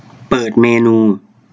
เปิดเมนู